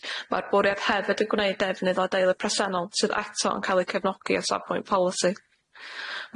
Ma'r bwriad hefyd yn gwneud defnydd o adeilad presennol sydd eto yn ca'l eu cefnogi at sarfbwynt polisi.